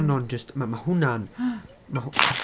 Ma' Manon jyst, ma- ma- ma' hwnna'n, ma' hw-